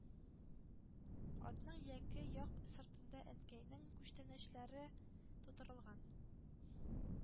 Атның яке як сыртында Әнкәйнең күчтәнәчләре тутырылган